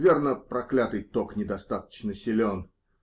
Верно, проклятый ток недостаточно силен.